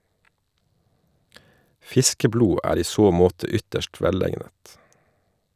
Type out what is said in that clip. Fiskeblod er i så måte ytterst velegnet.